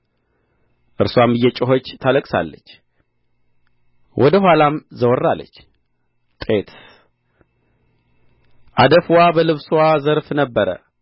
እርስዋም እየጮኸች ታለቅሳለች ወደ ኋላም ዘወር አለች ጤት አደፍዋ በልብስዋ ዘርፍ ነበረ